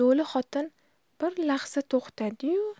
lo'li xotin bir lahza to'xtadi yu